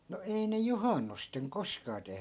no ei ne juhannuksena koskaan tehnyt